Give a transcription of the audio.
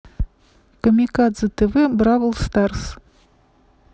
камикадзе тв бравл старс